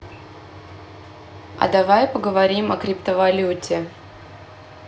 а давай поговорим о криптовалюте